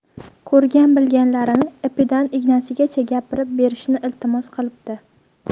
ko'rgan bilganlarini ipidan ignasigacha gapirib berishni iltimos qilibdi